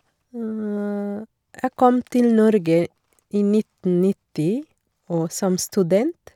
Jeg kom til Norge i nitten nitti og som student.